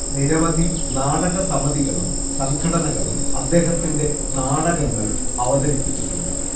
നിരവധി നാടക സമിതികളും സംഘടനകളും അദ്ദേഹത്തിന്റെ നാടകങ്ങൾ അവതരിപ്പിച്ചിട്ടുണ്ട്